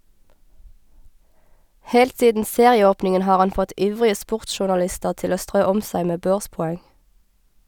Helt siden serieåpningen har han fått ivrige sportsjournalister til å strø om seg med børspoeng.